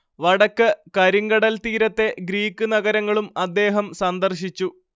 വടക്ക് കരിങ്കടൽ തീരത്തെ ഗ്രീക്ക് നഗരങ്ങളും അദ്ദേഹം സന്ദർശിച്ചു